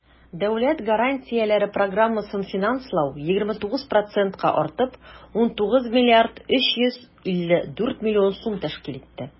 Дәүләт гарантияләре программасын финанслау 29 процентка артып, 19 млрд 354 млн сум тәшкил итте.